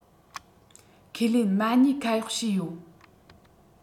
ཁས ལེན མ ཉེས ཁ གཡོག བྱས ཡོད